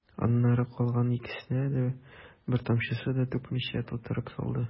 Аннары калган икесенә дә, бер тамчысын да түкмичә, тутырып салды.